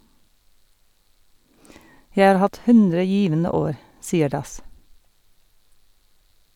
- Jeg har hatt 100 givende år, sier Das.